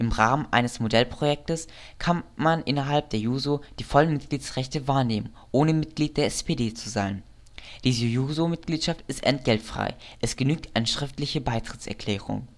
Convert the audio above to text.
Rahmen eines Modellprojektes kann man innerhalb der Jusos die vollen Mitgliedsrechte wahrnehmen, ohne Mitglied der SPD zu sein. Diese Juso-Mitgliedschaft ist entgeltfrei, es genügt eine schriftliche Beitrittserklärung